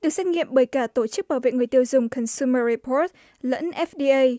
được xét nghiệm bởi cả tổ chức bảo vệ người tiêu dùng con xum mờ ri pót lẫn ép đi ây